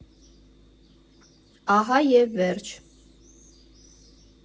Ահա և վերջ։